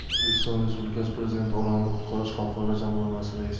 o'zbekiston respublikasi prezidenti orolni qutqarish xalqaro jamg'armasi raisi